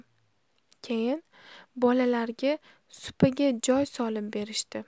keyin bolalarga supaga joy solib berishdi